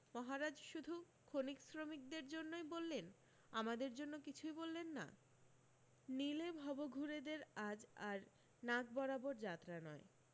মহারাজ শুধু খনিশ্রমিকদের জন্যই বললেন আমাদের জন্য কিছুই বললেন না নিলে ভবঘুরেদের আজ আর নাক বরাবর যাত্রা নয়